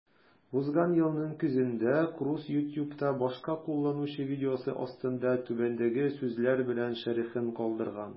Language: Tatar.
Узган елның көзендә Круз YouTube'та башка кулланучы видеосы астында түбәндәге сүзләр белән шәрехен калдырган: